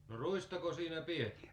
no ruistako siinä pidettiin